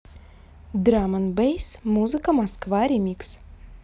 драм энд бэйс музыка блядь москва ремикс